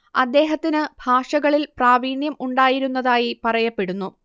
അദ്ദേഹത്തിന് ഭാഷകളിൽ പ്രാവീണ്യം ഉണ്ടായിരുന്നതായി പറയപ്പെടുന്നു